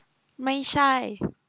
ไม่ใช่